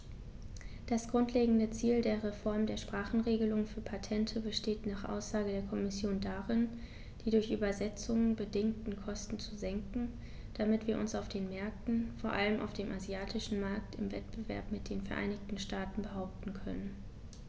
Das grundlegende Ziel der Reform der Sprachenregelung für Patente besteht nach Aussage der Kommission darin, die durch Übersetzungen bedingten Kosten zu senken, damit wir uns auf den Märkten, vor allem auf dem asiatischen Markt, im Wettbewerb mit den Vereinigten Staaten behaupten können.